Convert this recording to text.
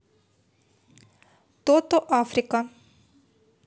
тото африка